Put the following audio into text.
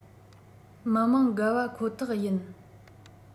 མི མང དགའ བ ཁོ ཐག ཡིན